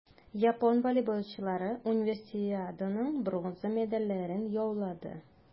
Япон волейболчылары Универсиаданың бронза медальләрен яулады.